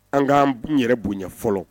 An k'an b yɛrɛ bonya fɔlɔ